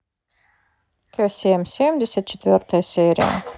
кесем семьдесят четвертая серия